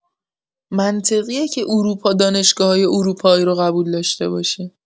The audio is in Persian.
منطقیه که اروپا دانشگاه‌‌های اروپایی رو قبول داشته باشه